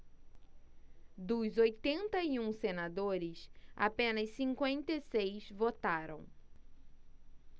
dos oitenta e um senadores apenas cinquenta e seis votaram